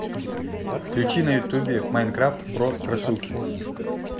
включи на ютубе майнкрафт про страшилки